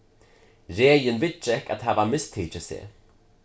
regin viðgekk at hava mistikið seg